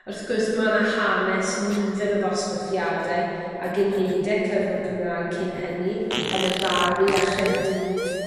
Wrth gwrs ma' 'ny hanes nifer o ddosbarthiadau ag unede cyfrwng Cymra'g cyn hynny yn y Bari a Chardydd